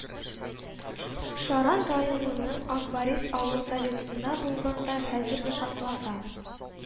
Шаран районының Акбарис авыл Советында булганда хәзерге шартларда